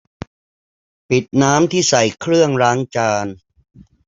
ปิดน้ำที่ใส่เครื่องล้างจาน